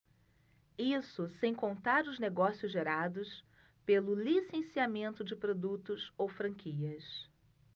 isso sem contar os negócios gerados pelo licenciamento de produtos ou franquias